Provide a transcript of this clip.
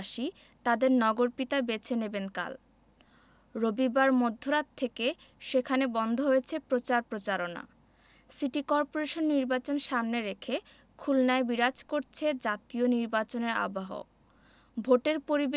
খুলনা নগরবাসী তাঁদের নগরপিতা বেছে নেবেন কাল রবিবার মধ্যরাত থেকে সেখানে বন্ধ হয়েছে প্রচার প্রচারণা সিটি করপোরেশন নির্বাচন সামনে রেখে খুলনায় বিরাজ করছে জাতীয় নির্বাচনের আবহক